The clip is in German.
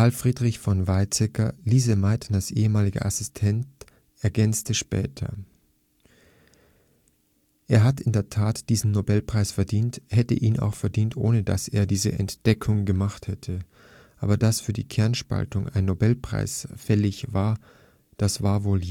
Friedrich von Weizsäcker, Lise Meitners ehemaliger Assistent, ergänzte später: „ Er hat in der Tat diesen Nobelpreis verdient, hätte ihn auch verdient, ohne dass er diese Entdeckung gemacht hätte. Aber dass für die Kernspaltung ein Nobelpreis fällig war, das war wohl